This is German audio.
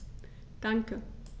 Danke.